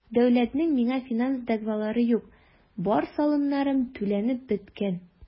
Дәүләтнең миңа финанс дәгъвалары юк, бар салымнарым түләнеп беткән.